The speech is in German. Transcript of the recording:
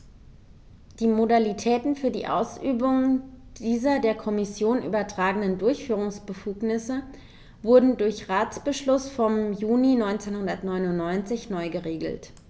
Die Modalitäten für die Ausübung dieser der Kommission übertragenen Durchführungsbefugnisse wurden durch Ratsbeschluss vom Juni 1999 neu geregelt.